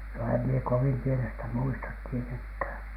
no en minä kovin pienestä muista tietenkään